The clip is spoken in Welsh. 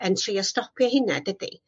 yn trio stopio hynna dydi?